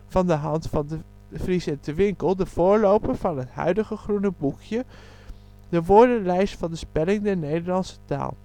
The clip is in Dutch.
van de hand van De Vries en Te Winkel de voorloper van het huidige Groene Boekje, de Woordenlijst voor de spelling der Nederlandsche taal